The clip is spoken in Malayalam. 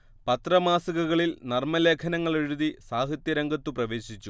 പത്രമാസികകളിൽ നർമലേഖനങ്ങളെഴുതി സാഹിത്യ രംഗത്തു പ്രവേശിച്ചു